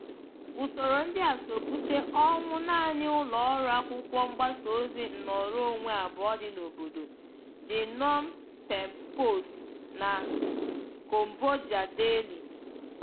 Usoro ndị a so bute ọnwụ naanị ụlọ ọrụ akwụkwọ mgbasaozi nnọọrọ onwe abụọ dị n'obodo ---The Phnom Pehn Post na The Cambodia Daily.